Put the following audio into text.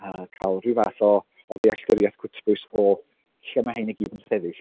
A cael ryw fath o o ddealltwriaeth cytbwys o lle mae hein i gyd yn sefyll.